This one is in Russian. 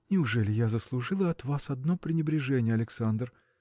– Неужели я заслужила от вас одно пренебрежение, Александр?